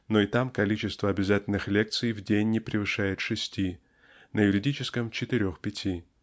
но и там количество обязательных лекций в день не превышает шести (на юридическом -- четырех-пяти)